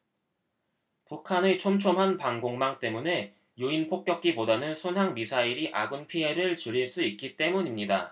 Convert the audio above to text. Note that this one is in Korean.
북한의 촘촘한 방공망 때문에 유인 폭격기보다는 순항미사일이 아군 피해를 줄일 수 있기 때문입니다